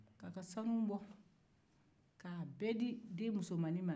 k'a ka sanu bɔ k'a bɛɛ di den musomannin ma